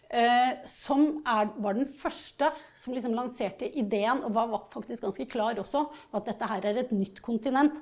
som er var den første som liksom lanserte ideen, var faktisk ganske klar også, at dette her er et nytt kontinent.